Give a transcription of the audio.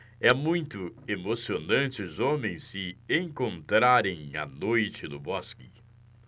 é muito emocionante os homens se encontrarem à noite no bosque